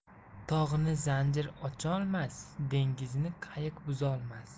tog'ni zanjir ocholmas dengizni qayiq buzolmas